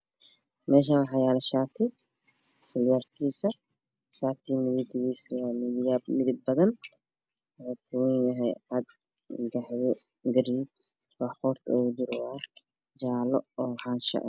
Meeshaan waxaa yaalo shaati salwaalkiisa shaatiga didabkiisa waa midabyo badan wuxuu ka koobanyahay cad gaxwi gariij waxa qoorta uga jira waa jaalle oo xaashi ah